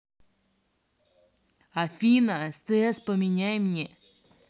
афина стс поменяй мне